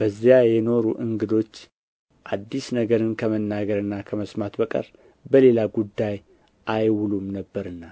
በዚያ የኖሩ እንግዶች አዲስ ነገርን ከመናገርና ከመስማት በቀር በሌላ ጉዳይ አይውሉም ነበርና